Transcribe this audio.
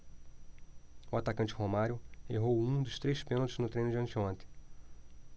o atacante romário errou um dos três pênaltis no treino de anteontem